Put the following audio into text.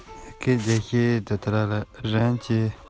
རླུང བུ དེས དུས ཚོད ག གེ མོ ཞིག